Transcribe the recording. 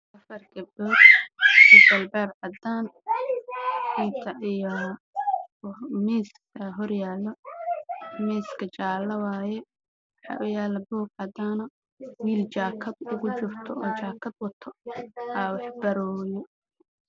Waa school waxaa iskugu imaaday wiilal iyo gabdhaba